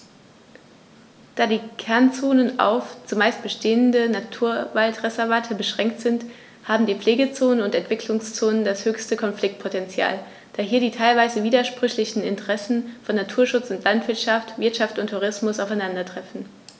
Da die Kernzonen auf – zumeist bestehende – Naturwaldreservate beschränkt sind, haben die Pflegezonen und Entwicklungszonen das höchste Konfliktpotential, da hier die teilweise widersprüchlichen Interessen von Naturschutz und Landwirtschaft, Wirtschaft und Tourismus aufeinandertreffen.